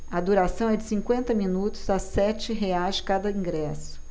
a duração é de cinquenta minutos a sete reais cada ingresso